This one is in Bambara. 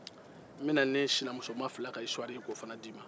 n bɛ na ni sinamusoma fila ka isitɔri ye k'o fana d'i ma